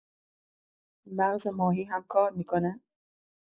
مغز ماهی هم کار می‌کنه؟